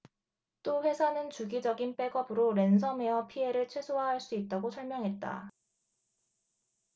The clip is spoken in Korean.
또 회사는 주기적인 백업으로 랜섬웨어 피해를 최소화 할 수 있다고 설명했다